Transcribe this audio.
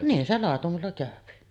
niin se laitumella käy